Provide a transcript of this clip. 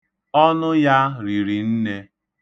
Ọnụ ya riri nne.